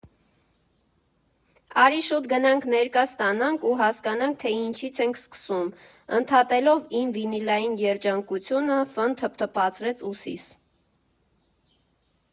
Արի՛, շուտ գնանք, «ներկա» ստանանք ու հասկանանք, թե ինչից ենք սկսում, ֊ ընդհատելով իմ վինիլային երջանկությունը՝ Ֆ֊ն թփթփացրեց ուսիս։